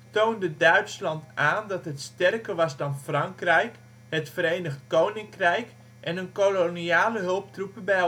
toonde Duitsland aan dat het sterker was dan Frankrijk, het Verenigd Koninkrijk en hun koloniale hulptroepen bij